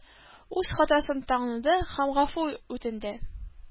Үз хатасын таныды һәм гафу үтенде.